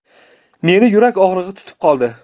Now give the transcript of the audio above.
meni yurak og'rig'i tutib qoldi